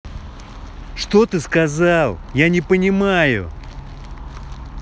что ты сказал я не понимаю